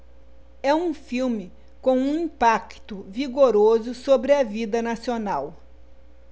é um filme com um impacto vigoroso sobre a vida nacional